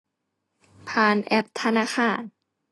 ผ่านแอปธนาคาร